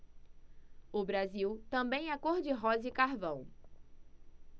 o brasil também é cor de rosa e carvão